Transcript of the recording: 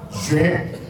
Joiin